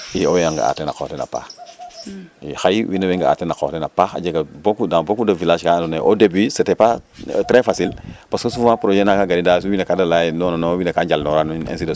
iyo owey nga'aa a qoox den a paax i xaye win we wey ga'aa ten a qoox den a paax a jega beaucoup dans beaucoup de village kaa andoona yee au debut c' était pas trés facile parce que souvent projet nanga gariidaa kaa da layaa ye non non wene ngaa njalnora nuun ainsi de suite '